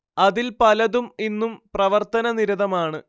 അതിൽ പലതും ഇന്നും പ്രവർത്തനനിരതമാണ്